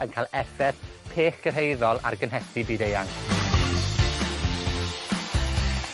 yn ca'l effaith pell gyrhaeddol ar gynhesu byd-eang.